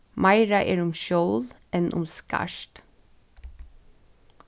meira er um skjól enn um skart